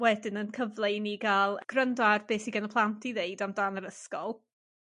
wedyn yn cyfle i ni ga'l gwryndo ar be' sy gen y plant i ddeud amdan yr ysgol